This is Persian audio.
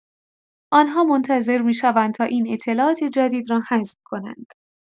آن‌ها منتظر می‌شوند تا این اطلاعات جدید را هضم کنند.